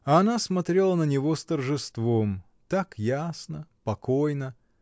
А она смотрела на него с торжеством, так ясно, покойно.